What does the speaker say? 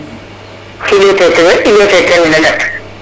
*